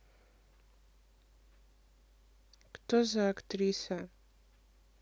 кто за актриса